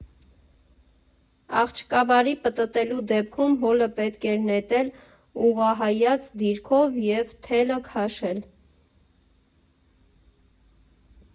«Աղջկավարի» պտտելու դեպքում հոլը պետք էր նետել ուղղահայաց դիրքով և թելը քաշել։